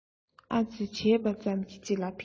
ཨ ཙི བྱས པ ཙམ གྱིས ཅི ལ ཕན